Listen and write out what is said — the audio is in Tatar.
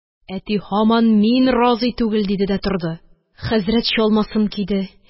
Әти һаман: – Мин разый түгел! – диде дә торды. Хәзрәт чалмасын киде.